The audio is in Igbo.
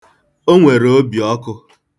O nwere obiọkụ.